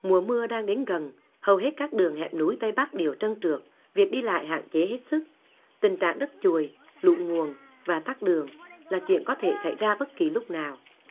mùa mưa đang đến gần hầu hết các đường hẻm núi tây bắc đều trơn trượt việc đi lại hạn chế hết sức tình trạng đất chuồi lũ nguồn và tắc đường là chuyện có thể xảy ra bất kỳ lúc nào